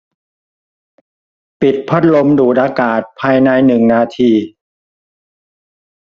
ปิดพัดลมดูดอากาศภายในหนึ่งนาที